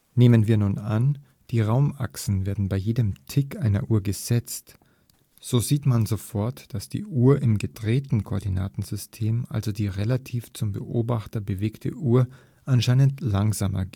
Nehmen wir nun an, die Raumachsen werden bei jedem Tick einer Uhr „ gesetzt “, so sieht man sofort, dass die Uhr im „ gedrehten “Koordinatensystem, also die relativ zum Beobachter bewegte Uhr, anscheinend langsamer